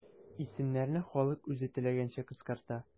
Исемнәрне халык үзе теләгәнчә кыскарта.